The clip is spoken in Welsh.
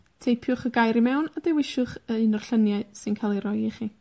Teipiwch y gair i mewn a dewiswch yy un o'r llyniau sy'n cael 'u roi i chi.